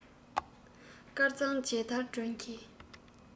དཀར གཙང མཇལ དར སྒྲོན གྱིན